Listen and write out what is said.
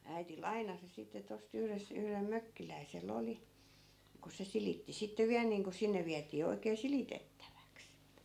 äiti lainasi sitten tuosta - yhdellä mökkiläisellä oli kun se silitti sitten vielä niin kuin sinne vietiin oikein silitettäväksi